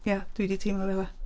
Ia dwi 'di teimlo fel 'na.